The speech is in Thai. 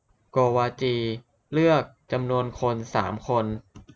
โกวาจีเลือกจำนวนคนสามคน